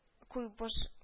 Куйбыш